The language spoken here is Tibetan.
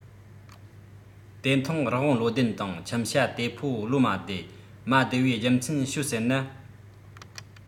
དེ མཐོང རི བོང བློ ལྡན དང ཁྱིམ བྱ དེ ཕོ བློ མ བདེ མ བདེའི རྒྱུ མཚན ཤོད ཟེར ན